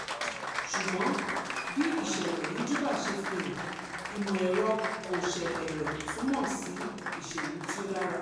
Ṣùgbọ́n, bí ìṣẹ̀lẹ̀ ní Juba ṣe fihàn, ìmọ̀-ẹ̀rọ kò ṣe bẹrẹ túmọ̀ sí ìṣèlú tí ó dára.